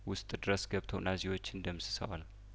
ውስጥ ድረስ ገብተው ናዚዎችን ደምስሰዋል